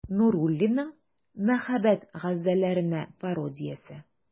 Нуруллинның «Мәхәббәт газәлләренә пародия»се.